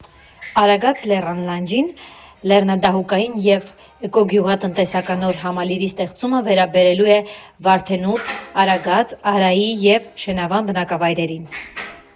Արագած լեռան լանջին լեռնադահուկային և էկոգյուղատնտեսական նոր համալիրի ստեղծումը վերաբերելու է Վարդենուտ, Արագած, Արայի և Շենավան բնակավայրերին։